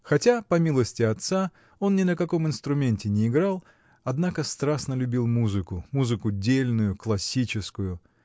Хотя, по милости отца, он ни на каком инструменте не играл, однако страстно любил музыку, музыку дельную, классическую.